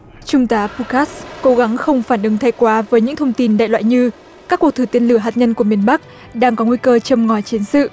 trung tá pu cát cố gắng không phản ứng thái quá với những thông tin đại loại như các cuộc thử tên lửa hạt nhân của miền bắc đang có nguy cơ châm ngòi chiến sự